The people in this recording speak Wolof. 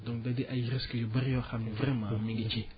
donc da di ay risques yu bëri yoo xam ni vraiment :fa ñu ngi ci